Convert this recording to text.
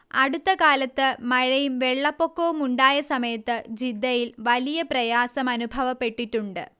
അടുത്ത കാലത്ത് മഴയും വെള്ളപ്പൊക്കവുമുണ്ടായ സമയത്ത് ജിദ്ദയിൽ വലിയ പ്രയാസമനുഭവപ്പെട്ടിട്ടുണ്ട്